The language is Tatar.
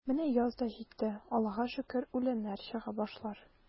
Менә яз да житте, Аллага шөкер, үләннәр чыга башлар.